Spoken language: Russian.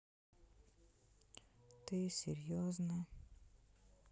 ты серьезно